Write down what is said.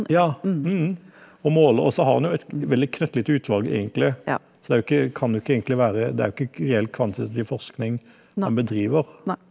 ja og måle også har han jo et veldig knøttlite utvalg egentlig, så det er jo ikke kan jo ikke egentlig være det er jo ikke reell kvantitativ forskning han bedriver.